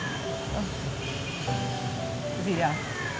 ơ cái gì đấy ạ